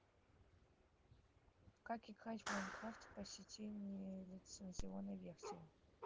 как играть в minecraft по сети нелицензионной версии